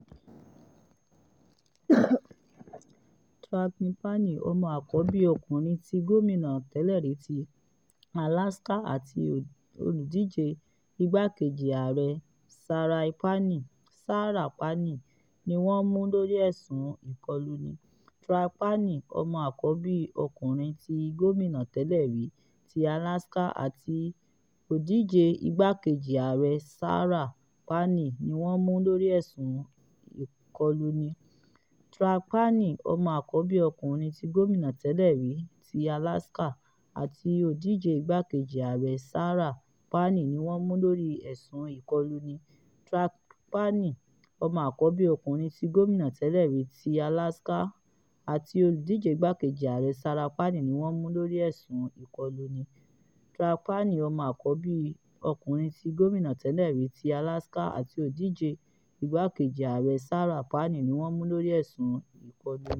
Track Palin, ọmọ àkọ́bí ọkùnrin tí gómìnà tẹlẹ̀ rí ti Alaska àti òdíje igbákejì Ààrẹ Sarah Palin, ni wọn mú lórí ẹsùn ìkọ̀luni.